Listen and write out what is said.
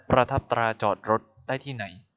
ประทับตราจอดรถได้ที่ไหน